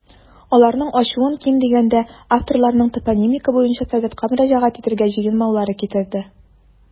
Аларның ачуын, ким дигәндә, авторларның топонимика буенча советка мөрәҗәгать итәргә җыенмаулары китерде.